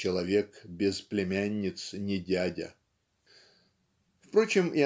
"человек без племянниц не дядя". Впрочем